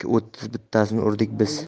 o'ttiz bittasini urdik biz